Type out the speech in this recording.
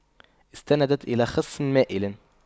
استندت إلى خصٍ مائلٍ